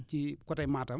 ci côté Matam